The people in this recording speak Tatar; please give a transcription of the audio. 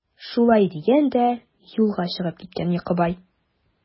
Шулай дигән дә юлга чыгып киткән Йокыбай.